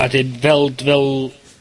A 'dyn, fel d-, fel,